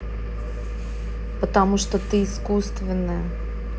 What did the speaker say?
потому что ты искусственная